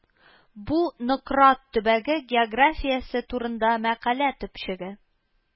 Бу Нократ төбәге географиясе турында мәкалә төпчеге